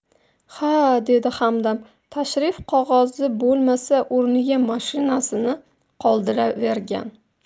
ha dedi hamdam tashrif qog'ozi bo'lmasa o'rniga mashinasini qoldiravergan